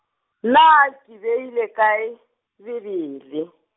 naa ke beile kae, Bibele?